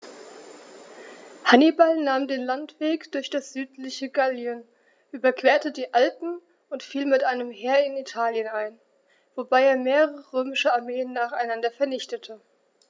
Hannibal nahm den Landweg durch das südliche Gallien, überquerte die Alpen und fiel mit einem Heer in Italien ein, wobei er mehrere römische Armeen nacheinander vernichtete.